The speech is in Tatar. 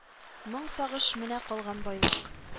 Моң сагыш менә калган байлык